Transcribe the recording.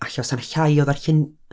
alla 'sa 'na llai o ddarllen-